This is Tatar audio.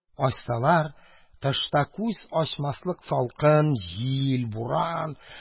Ачсалар, тышта күз ачмаслык салкын җил, буран.